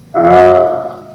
Aɔn